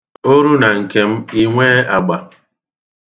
O ru na nke m i nwee agba.